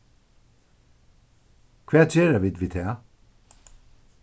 hvat gera vit við tað